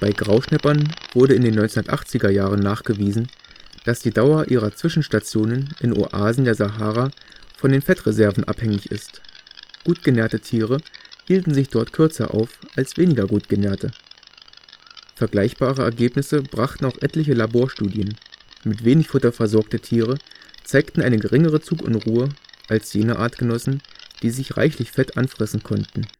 Grauschnäppern wurde in den 1980er Jahren nachgewiesen, dass die Dauer ihrer Zwischenstationen in Oasen der Sahara von den Fettreserven abhängig ist. Gut genährte Tiere hielten sich dort kürzer auf als weniger gut genährte. Vergleichbare Ergebnisse brachten auch etliche Laborstudien: Mit wenig Futter versorgte Tiere zeigten eine geringere Zugunruhe als jene Artgenossen, die sich reichlich Fett anfressen konnten